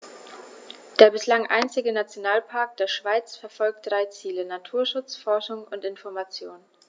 Der bislang einzige Nationalpark der Schweiz verfolgt drei Ziele: Naturschutz, Forschung und Information.